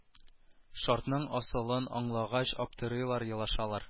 Шартның асылын аңлагач аптырыйлар елашалар